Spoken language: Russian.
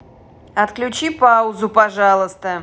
отключи паузу пожалуйста